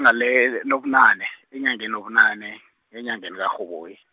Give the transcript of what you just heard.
nga le l- lobunane, enyangeni lobunane, enyangeni kaRhoboyi .